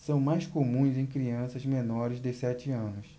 são mais comuns em crianças menores de sete anos